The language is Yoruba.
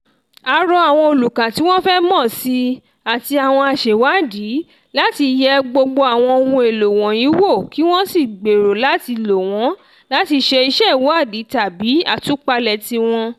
A rọ àwọn olùkà tí wọ́n fẹ́ mọ̀ síi àti àwọn aṣèwádìí láti yẹ gbogbo àwọn ohun-èlò wọ̀nyìí wò kí wọ́n sì gbèrò láti lò wọ́n láti ṣe iṣẹ́ ìwádìí tàbí àtúpalẹ̀ tiwọn.